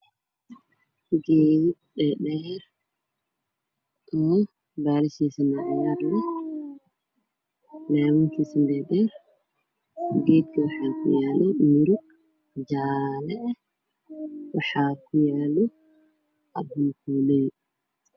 Class kaan waxaa ku jiro labo wiil iyo gabar waxey gacmaha ku wataan buugaag